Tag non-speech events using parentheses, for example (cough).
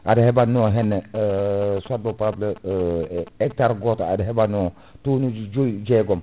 aɗa heɓanno hen (hesitation) soit bo p* (hesitation) hectare goto aɗa heɓanno tonnes joyyi jeegom